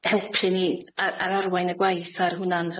helpu ni a- ar arwain y gwaith ar hwn'na'n